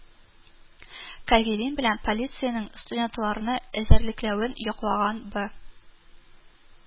Кавелин белән полициянең студентларны эзәрлекләвен яклаган Бэ